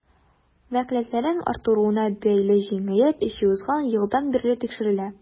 Вәкаләтләрен арттыруына бәйле җинаять эше узган елдан бирле тикшерелә.